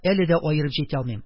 Әле дә аерып җитә алмыйм.